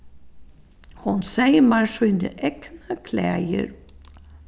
hon seymar síni egnu klæðir